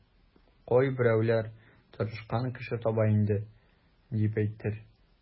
Кайберәүләр тырышкан кеше таба инде, дип әйтер.